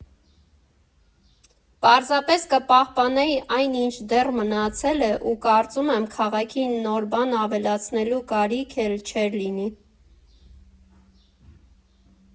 Պարզապես կպահպանեի այն, ինչ դեռ մնացել է ու կարծում եմ՝ քաղաքին նոր բան ավելացնելու կարիք էլ չէր լինի։